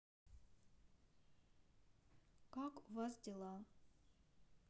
как у вас дела